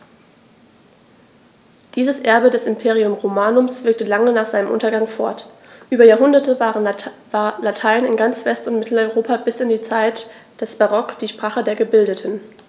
Dieses Erbe des Imperium Romanum wirkte lange nach seinem Untergang fort: Über Jahrhunderte war Latein in ganz West- und Mitteleuropa bis in die Zeit des Barock die Sprache der Gebildeten.